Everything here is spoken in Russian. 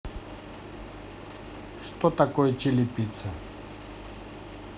что такое чили пицца